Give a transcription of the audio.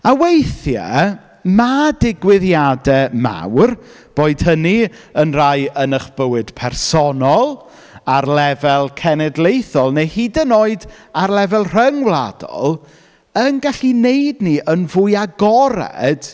A weithiau, mae digwyddiadau mawr, boed hynny yn rai yn eich bywyd personol, ar lefel cenedlaethol neu hyd yn oed ar lefel rhyngwladol, yn gallu wneud ni yn fwy agored.